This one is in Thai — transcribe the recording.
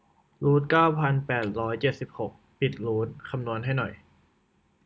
รูทเก้าพันแปดร้อยเจ็ดสิบหกปิดรูทคำนวณให้หน่อย